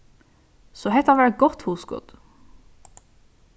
so hetta var eitt gott hugskot